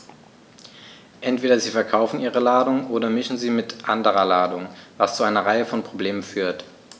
Entweder sie verkaufen ihre Ladung oder mischen sie mit anderer Ladung, was zu einer Reihe von Problemen führt.